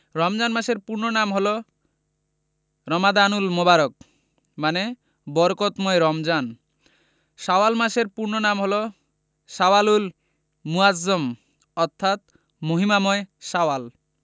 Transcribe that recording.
রমজান মাসের পূর্ণ নাম হলো রমাদানুল মোবারক মানে বরকতময় রমজান শাওয়াল মাসের পূর্ণ নাম হলো শাওয়ালুল মুআজ্জম অর্থাৎ মহিমাময় শাওয়াল